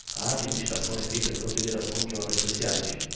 a administração é feita pela fos federação de obras sociais